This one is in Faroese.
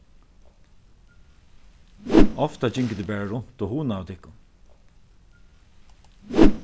ofta gingu tit bara runt og hugnaðu tykkum